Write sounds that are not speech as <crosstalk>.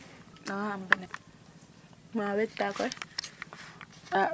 <crosstalk> ma weg ta koy ?